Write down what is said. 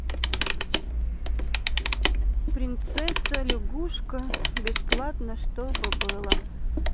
принцесса лягушка бесплатно чтобы было